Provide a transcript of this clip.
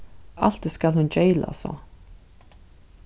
altíð skal hon geyla so